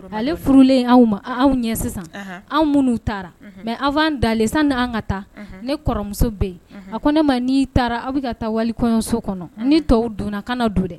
Ale furulen anw ma anw ɲɛ sisan anw minnu taara mɛ an'an dalen san ni an ka taa ne kɔrɔmuso bɛ yen a ko ne ma n' taara aw bɛ ka taa wali kɔɲɔɔnso kɔnɔ ni tɔw donna ka don dɛ